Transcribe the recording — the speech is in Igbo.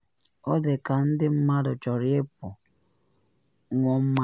Ọ dị ka ndị mmadụ chọrọ ịpụ ṅwụọ mmanya.